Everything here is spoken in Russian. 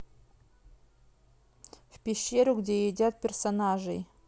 в пещеру где едят персонажей